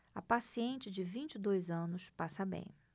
a paciente de vinte e dois anos passa bem